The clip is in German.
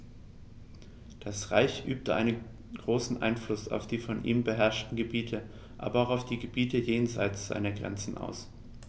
Das Reich übte einen großen Einfluss auf die von ihm beherrschten Gebiete, aber auch auf die Gebiete jenseits seiner Grenzen aus.